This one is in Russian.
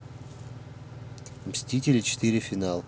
мстители четыре финал